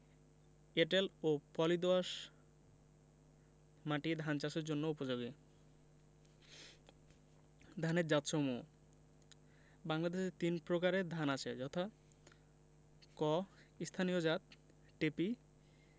এঁটেল ও পলি দোআঁশ মাটি ধান চাষের জন্য উপযোগী ধানের জাতসমূহঃ বাংলাদেশে তিন প্রকারের ধান আছে যথাঃ ক স্থানীয় জাতঃ টেপি